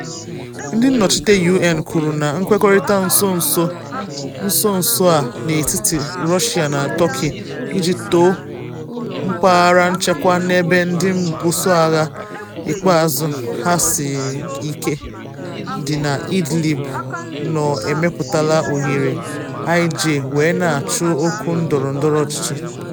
Ndị nnọchite UN kwuru na nkwekọrịta nso nso a n’etiti Russia na Turkey iji tọọ mpaghara nchekwa n’ebe ndị mbuso agha ikpeazụ ka siri ike dị na Idlib nọ emepụtala ohere ij wee na achụ okwu ndọrọndọrọ ọchịchị.